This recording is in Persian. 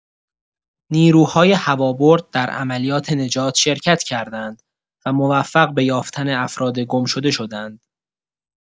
نیروهای هوابرد در عملیات نجات شرکت کردند و موفق به یافتن افراد گمشده شدند.